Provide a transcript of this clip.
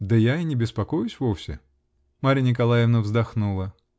-- Да я и не беспокоюсь вовсе. Марья Николаевна вздохнула.